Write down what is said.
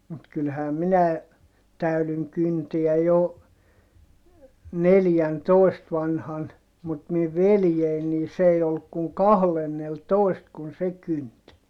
mutta kyllähän minä täydyin kyntää jo neljäntoista vanhana mutta minun veljeni niin se ei ollut kuin kahdennellatoista kun se kynti